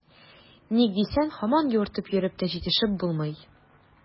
Ник дисәң, һаман юыртып йөреп тә җитешеп булмый.